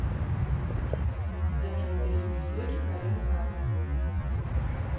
замена передней стойки карено катер